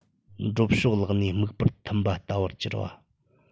འགྲོ ཕྱོགས བརླགས ནས སྨུག པར འཐུམས པ ལྟ བུར གྱུར པ